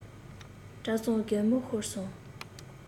བཀྲ བཟང གད མོ ཤོར སོང